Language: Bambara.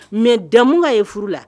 Mɛ damukan ye furu la